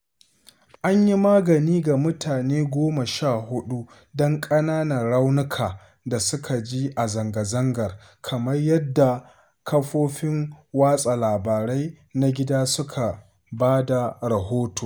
An yi magani ga mutane goma sha huɗu don ƙananan raunuka da suka ji a zanga-zangar, kamar yadda kafofin watsa labarai na gida suka ba da rahoto.